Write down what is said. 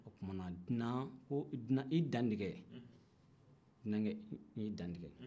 o tumana ko dunankɛ i dantigɛ dunankɛ y'a dantigɛ